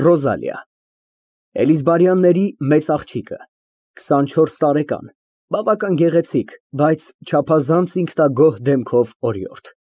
ՌՈԶԱԼԻԱ ֊ Էլիզբարյանների մեծ աղջիկը։ քսանչորս տարեկան, բավական գեղեցիկ, բայց չափազանց ինքնագոհ դեմքով օրիորդ։